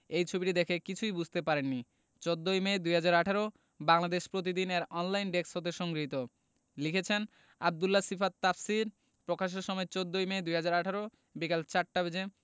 এই ছবিটি দেখে কিছুই বুঝতে পারেননি ১৪ইমে ২০১৮ বাংলাদেশ প্রতিদিন এর অনলাইন ডেস্ক হতে সংগৃহীত লিখেছেনঃ আব্দুল্লাহ সিফাত তাফসীর প্রকাশের সময় ১৪ইমে ২০১৮ বিকেল ৪ টা বেজে